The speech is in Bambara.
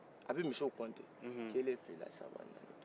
a bɛ misiw compter kelen fila saba